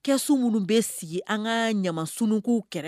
Kɛso minnu bɛ sigi an ka ɲas kɛrɛfɛ